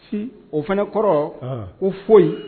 Si o fana kɔrɔ ko foyi